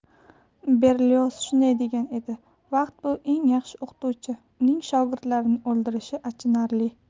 berlioz shunday degan edi vaqt bu eng yaxshi o'qituvchi uning shogirdlarini o'ldirishi achinarli